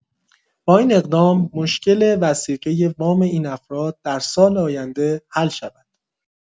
با این اقدام مشکل وثیقه وام این افراد در سال آینده حل شود.